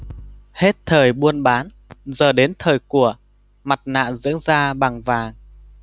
hết thời buôn bán giờ đến thời của mặt nạ dưỡng da bằng vàng